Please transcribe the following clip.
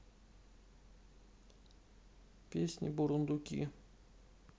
песни бурундуки